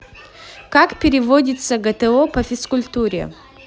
как переводится гто по физкультуре